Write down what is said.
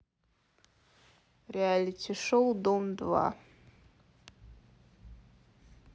реалити шоу дом два